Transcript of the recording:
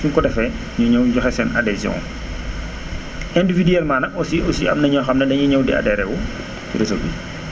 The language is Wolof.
suñ ko defee ñu ñëw ñu joxe seen adhésion indivuduellement nag aussi aussi am na ñoo xam ne dañuy ñëw di adhéré wu réseau bi